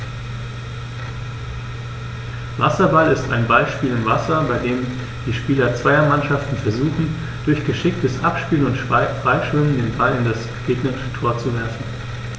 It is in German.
Wasserball ist ein Ballspiel im Wasser, bei dem die Spieler zweier Mannschaften versuchen, durch geschicktes Abspielen und Freischwimmen den Ball in das gegnerische Tor zu werfen.